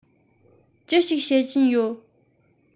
ཅི ཞིག བྱེད བཞིན ཡོད